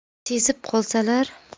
sezib qolsalar